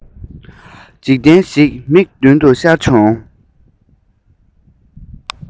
འཇིག རྟེན ཞིག མིག མདུན དུ ཤར བྱུང